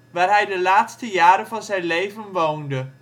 waar hij de laatste jaren van zijn leven woonde